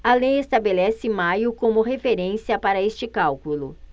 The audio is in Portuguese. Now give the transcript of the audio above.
a lei estabelece maio como referência para este cálculo